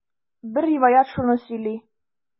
Бер риваять шуны сөйли.